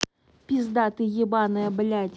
пизда ты ебаная блядь